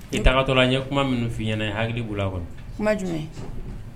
I tagatɔla n ye kuma minnu f'i ɲɛna i hakili b'u la kɔni? kuma jumɛn?